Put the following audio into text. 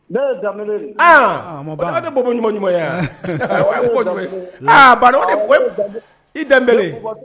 Tɛ ɲuman ɲuman ba i tɛb